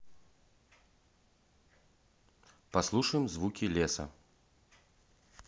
послушаем звуки леса